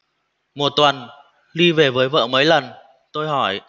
một tuần ly về với vợ mấy lần tôi hỏi